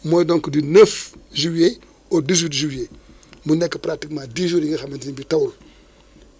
mooy donc du 9 juillet au 18 juillet mu nekk partiquement 10jours yi nga xamante ne bi tawul